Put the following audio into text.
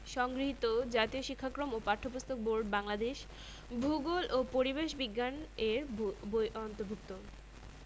সংগৃহীত জাতীয় শিক্ষাক্রম ও পাঠ্যপুস্তক বোর্ড বাংলাদেশ ভূগোল ও পরিবেশ বিজ্ঞান এর বই অন্তর্ভুক্ত